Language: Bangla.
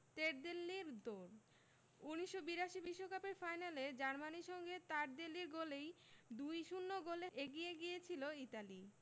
তেরদেল্লির দৌড় ১৯৮২ বিশ্বকাপের ফাইনালে জার্মানির সঙ্গে তারদেল্লির গোলেই ২ ০ গোলে এগিয়ে গিয়েছিল ইতালি